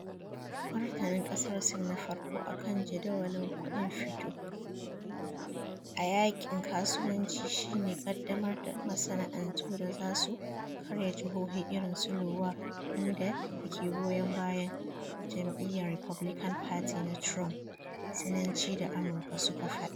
Martanin kasar Sin na farkon akan jadawalin kuɗin fito a yakin kasuwanci shi ne kaddamar da masana'antu da za su karya jihohi irin su Iowa wanda dake goyon bayan Jam'iyyar Republican Party na Trump, Sinanci da Amurka suka fada.